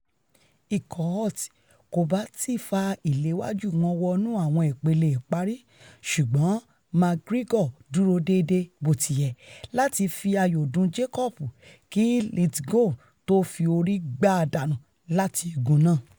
Ikọ̀ Holt kòbá ti fa ìléwájú wọn wọnú àwọn ipele ìparí ṣùgbọn McGregor duro dìde bótiyẹ láti fí ayò dun Jacobs kí Lithgow tó fi orí gbá a dànù láti igun náà.